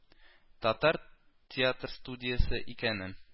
Татар театр студиясе икәнен